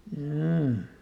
joo